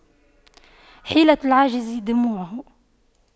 حيلة العاجز دموعه